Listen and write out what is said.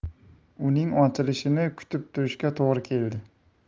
uning ochilishini kutib turishga to'g'ri keldi